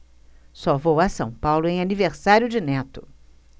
só vou a são paulo em aniversário de neto